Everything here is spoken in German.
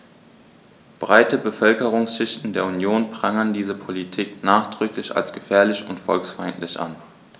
Breite Bevölkerungsschichten der Union prangern diese Politik nachdrücklich als gefährlich und volksfeindlich an.